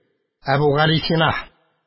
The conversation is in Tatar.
Әбүгалисина